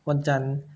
วันจันทร์